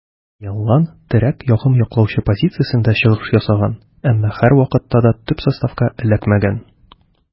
Ялланн терәк ярым яклаучы позициясендә чыгыш ясаган, әмма һәрвакытта да төп составка эләкмәгән.